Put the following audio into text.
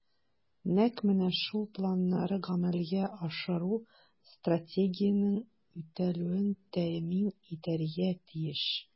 Нәкъ менә шул планнарны гамәлгә ашыру Стратегиянең үтәлүен тәэмин итәргә тиеш.